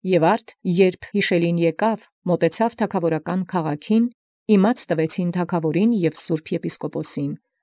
Եւ արդ եկեալ յիշելին մերձ ի թագաւորական քաղաքն, ազդ լինէր թագաւորին և սրբոյ եպիսկոպոսին։